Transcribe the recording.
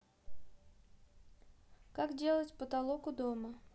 как делать потолок у дома